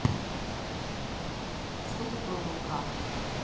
что такое вулкан